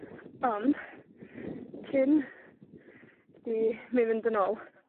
Ond, cyn, i, mi fynd yn ôl,